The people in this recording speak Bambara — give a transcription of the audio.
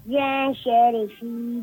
Yan sɛri su